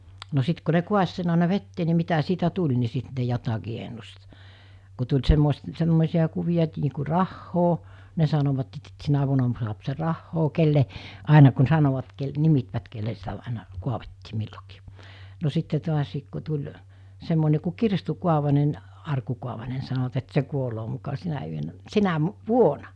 no sitten kun ne kaatoi sen aina veteen niin mitä siitä tuli niin sitten ne jotakin ennusti kun tuli - semmoisia kuvia että niin kuin rahaa ne sanoivat että sitten sinä vuonna saa se rahaa kenelle aina kun sanoivat - nimittivät kenelle sitä aina kaadettiin milloinkin no sitten taas kun tuli semmoinen kuin kirstun kaavainen arkun kaavainen niin sanovat että se kuolee muka sinä yönä sinä vuonna